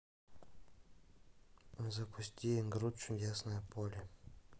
запусти игру чудесное поле